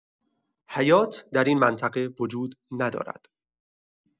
حیات در این منطقه وجود ندارد.